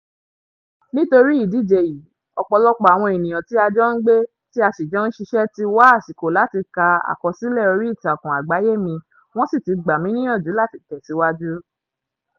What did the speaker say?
Nítorí ìdíje yìí, ọ̀pọ̀lọpọ̀ àwọn ènìyàn tí a jọ ń gbé tí a sì jọ ń ṣiṣẹ́ tí wá àsìkò láti ka àkọsílẹ̀ orí ìtàkùn àgbáyé mi wọ́n sì ti gbà mí níyànjú láti tẹ̀síwájú.